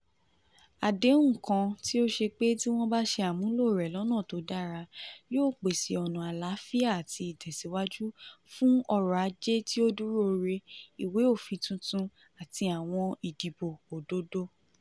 Àdéhùn kan tí ó ṣe pé tí wọ́n bá ṣe àmúlò rẹ̀ lọ́nà tó dára, yóò pèsè ọ̀nà àlàáfíà àti tẹ̀síwájú fún ọrọ̀ ajé tí ó dúró re, ìwé òfin tuntun àti àwọn ìdìbò òdodo.